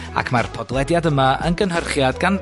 ...ac ma'r podlediad yma yn gynhyrchiad gan...